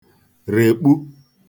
rèkpu